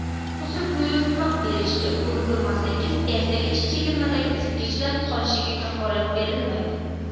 hozir buyurtma berishga ulgurmasangiz ertagacha chegirmadagi isitgichlar qolishiga kafolat berilmaydi